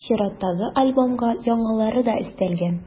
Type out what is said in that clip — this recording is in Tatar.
Чираттагы альбомга яңалары да өстәлгән.